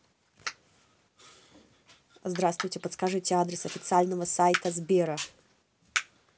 здравствуйте подскажите адрес официального сайта сбера